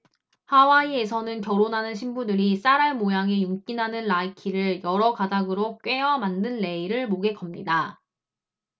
하와이에서는 결혼하는 신부들이 쌀알 모양의 윤기 나는 라이키를 여러 가닥으로 꿰어 만든 레이를 목에 겁니다